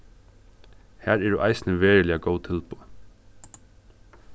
har eru eisini veruliga góð tilboð